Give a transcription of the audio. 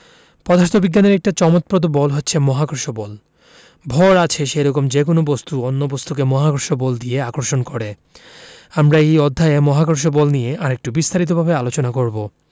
পদার্থবিজ্ঞানের একটি চমকপ্রদ বল হচ্ছে মহাকর্ষ বল ভর আছে সেরকম যেকোনো বস্তু অন্য বস্তুকে মহাকর্ষ বল দিয়ে আকর্ষণ করে আমরা এই অধ্যায়ে মহাকর্ষ বল নিয়ে আরেকটু বিস্তারিতভাবে আলোচনা করব